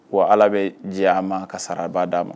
Wa Ala bɛ diɲɛ a ma ka sara ba d'a ma